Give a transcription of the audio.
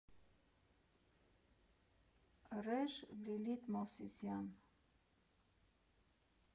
Ռեժ. Լիլիթ Մովսիսյան։